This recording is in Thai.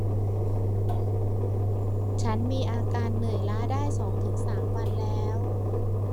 ฉันมีอาการเหนื่อยล้าได้สองถึงสามวันแล้ว